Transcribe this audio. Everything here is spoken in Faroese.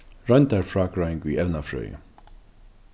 royndarfrágreiðing í evnafrøði